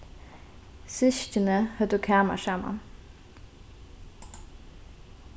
systkini høvdu kamar saman